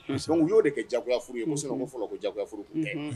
Y'o de kɛ jagoya furu ye muso' fɔlɔ ko jagoyaf furu